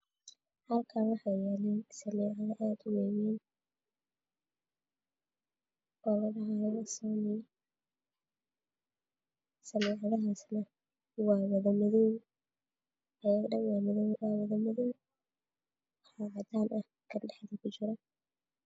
Halkaan waxaa yaalo aad u wayn waa wado madow waxaa cadaan kan dhaxda ku jiro